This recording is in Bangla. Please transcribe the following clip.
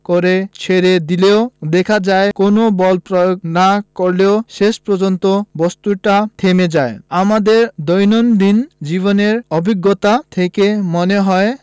করে ছেড়ে দিলেও দেখা যায় কোনো বল প্রয়োগ না করলেও শেষ পর্যন্ত বস্তুটা থেমে যায় আমাদের দৈনন্দিন জীবনের অভিজ্ঞতা থেকে মনে হয়